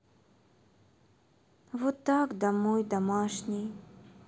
вот так домой домашний